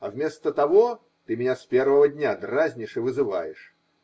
а вместо того ты меня с первого дня дразнишь и вызываешь.